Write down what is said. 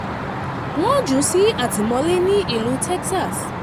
Wọ́n jù ú sí àtìmọ́lé ní ìlú Texas.